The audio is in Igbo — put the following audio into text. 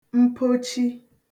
mpochi